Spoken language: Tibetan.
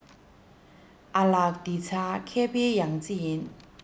ཨ ལགས ངྷི ཚ མཁས པའི ཡང རྩེ ཡིན